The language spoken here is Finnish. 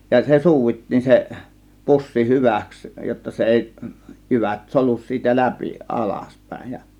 ja se suudittiin se pussi hyväksi jotta se ei jyvät solju siitä läpi alaspäin ja